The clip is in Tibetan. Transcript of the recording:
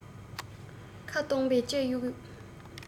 ཁ སྟོང པས ལྕེ ཡུག ཡུག